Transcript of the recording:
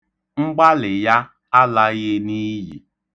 Mgbalị ya alaghị n'iyi.